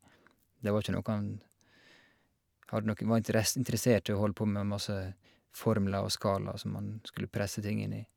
Det var ikke noe han hadde noe var interess interessert i å holde på med masse formler og skalaer som han skulle presse ting inn i.